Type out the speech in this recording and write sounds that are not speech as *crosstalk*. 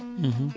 *hesitation* *hesitation*